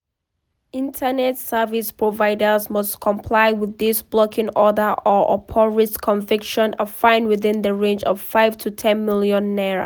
Internet service providers must comply with this blocking order or risk upon conviction a fine within the range of 5 to 10 million naira